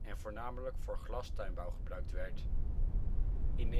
en voornamelijk voor glastuinbouw gebruikt werd. In 1994